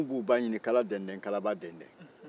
filaninw b'u ba ɲini kala dɛn-dɛn kalaba dɛn-dɛn